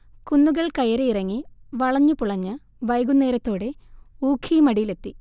കുന്നുകൾ കയറിയിറങ്ങി, വളഞ്ഞു പുളഞ്ഞു വൈകുന്നേരത്തോടെ ഊഖിമഠീലെത്തി